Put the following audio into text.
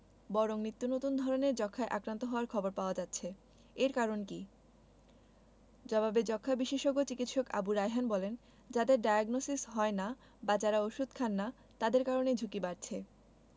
বরং নিত্যনতুন ধরনের যক্ষ্মায় আক্রান্ত হওয়ার খবর পাওয়া যাচ্ছে এর কারণ কী জবাবে যক্ষ্মা বিশেষজ্ঞ চিকিৎসক আবু রায়হান বলেন যাদের ডায়াগনসিস হয় না বা যারা ওষুধ খান না তাদের কারণেই ঝুঁকি বাড়ছে